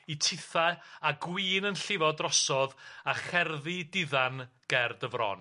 i tithau a gwin yn llifo drosodd a cherddi diddan ger dy fron.